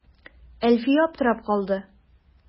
Әлфия аптырап калды.